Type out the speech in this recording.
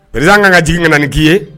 ka na jigiigi ka na ni k'i ye